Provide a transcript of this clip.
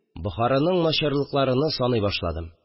Бохараның начарлыкларыны саный башладым